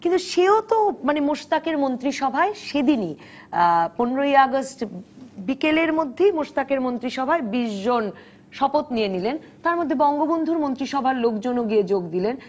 কিন্তু সেও তো মানে মোশতাকের মন্ত্রিসভায় সেদিনই 15 ই আগস্ট বিকেলের মধ্যেই মোশতাকের মন্ত্রিসভায় 20 জন শপথ নিয়ে নিলেন তার মধ্যে বঙ্গবন্ধুর মন্ত্রিসভার লোকজন ও গিয়ে যোগ দিলেন